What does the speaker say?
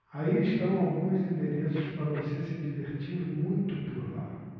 aí estão alguns endereços para você se divertir muito por lá